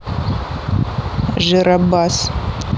жиробас